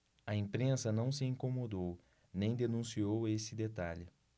a imprensa não se incomodou nem denunciou esse detalhe